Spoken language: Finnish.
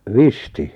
Visti